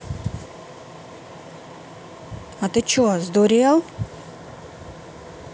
а ты что сдурел